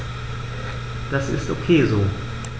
Das ist ok so.